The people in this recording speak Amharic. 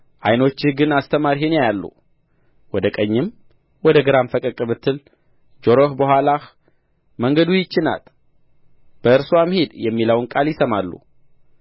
ዓይኖችህ ግን አስተማሪህን ያያሉ ወደ ቀኝም ወደ ግራም ፈቀቅ ብትል ጆሮችህ በኋላህ መንገዱ ይህች ናት በእርስዋም ሂድ የሚለውን ቃል ይሰማሉ